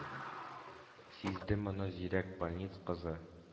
Сизде моны зирәк больниц кызы,